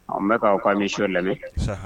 An bɛ k''mi su lamɛn